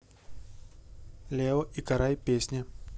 лео и карай песня